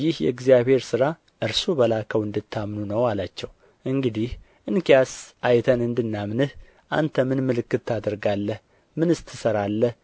ይህ የእግዚአብሔር ሥራ እርሱ በላከው እንድታምኑ ነው አላቸው እንግዲህ እንኪያ አይተን እንድናምንህ አንተ ምን ምልክት ታደርጋለህ ምንስ ትሠራለህ